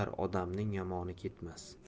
odamning yomoni ketmas